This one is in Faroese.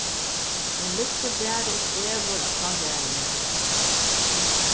hon liggur bara og svevur allan dagin